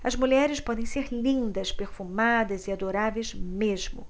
as mulheres podem ser lindas perfumadas e adoráveis mesmo